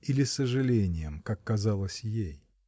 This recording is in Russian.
или сожалением, как казалось ей.